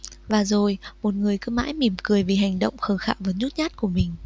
và rồi một người cứ mãi mỉm cười vì hành động khờ khạo và nhút nhát của mình